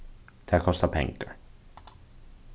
tað kostar pengar